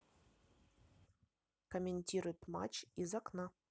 комментирует матч из окна